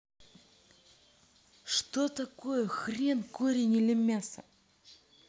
что такое хрен корень или мясо